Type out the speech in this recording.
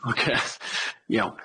Ocê iawn.